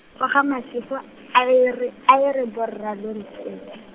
Kgogamasigo, a e re, a e re borra lo ntshepe.